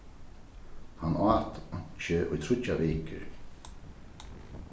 hann át einki í tríggjar vikur